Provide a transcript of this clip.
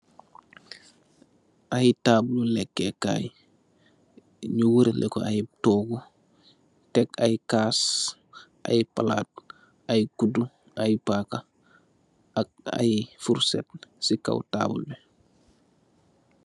Ay taabul leke kaay nyu wareleko ay toogu teeg ay kaas, ay palat, ay kudu, ay paka, ak ay forcet si kaaw taabul bi